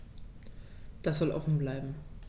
Das soll offen bleiben.